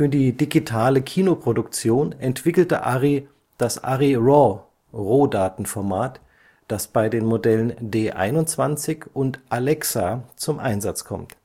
die digitale Kinoproduktion entwickelte Arri das ARRIRAW-Rohdatenformat, das bei den Modellen D21 und Alexa zum Einsatz kommt